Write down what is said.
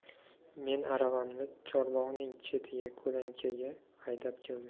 men aravamni chorbog'ning chetiga ko'lankaga haydab keldim